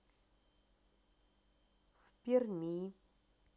в перми